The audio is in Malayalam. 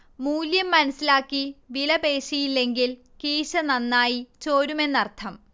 മൂല്യം മനസ്സിലാക്കി വിലപേശിയില്ലെങ്കിൽ കീശ നന്നായി ചോരുമെന്നർഥം